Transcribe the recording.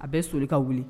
A bɛ so ka wuli